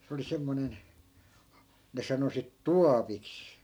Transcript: se oli semmoinen ne sanoi sitten tuopiksi